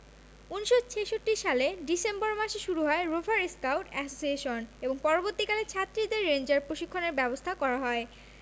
১৯৬৬ সালের ডিসেম্বর মাসে শুরু হয় রোভার স্কাউট অ্যাসোসিয়েশন এবং পরবর্তীকালে ছাত্রীদের রেঞ্জার প্রশিক্ষণের ব্যবস্থা করা হয়